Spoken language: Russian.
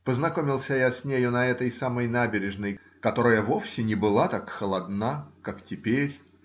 Познакомился я с нею на этой самой набережной, которая вовсе не была так холодна, как теперь.